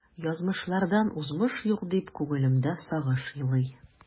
Язмышлардан узмыш юк, дип күңелемдә сагыш елый.